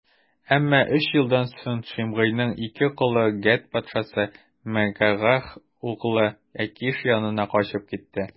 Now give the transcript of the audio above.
Әмма өч елдан соң Шимгыйның ике колы Гәт патшасы, Мәгакәһ углы Әкиш янына качып китте.